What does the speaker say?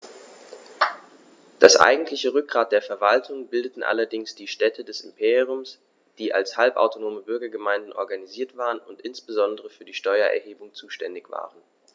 Das eigentliche Rückgrat der Verwaltung bildeten allerdings die Städte des Imperiums, die als halbautonome Bürgergemeinden organisiert waren und insbesondere für die Steuererhebung zuständig waren.